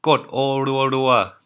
กดโอรัวรัว